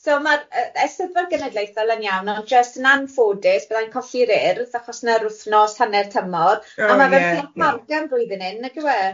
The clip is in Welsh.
So ma'r yy Eisteddfod Genedlaethol yn iawn ond jyst yn anffodus byddai'n colli'r Urdd achos na'r wthnos hanner tymor... oh ie. ...a ma fe'n Parc Margam flwyddyn hyn nagyw e?